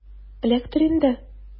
Эләктер инде!